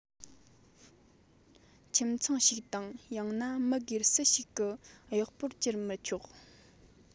ཁྱིམ ཚང ཞིག དང ཡང ན མི སྒེར སུ ཞིག གི གཡོག པོར གྱུར མི ཆོག